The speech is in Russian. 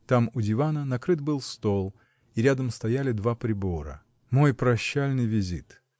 Там, у дивана, накрыт был стол, и рядом стояли два прибора. — Мой прощальный визит!